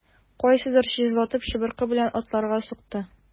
Кайсыдыр чыжлатып чыбыркы белән атларга сукты.